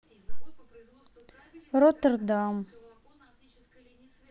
роттердам